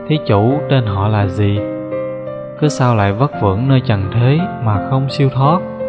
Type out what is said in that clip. thí chủ tên họ là gì cớ sao lại vất vưởng nơi trần thế mà không siêu thoát